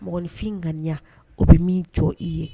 Mɔgɔninfin ŋaniya o bɛ min jɔ i ye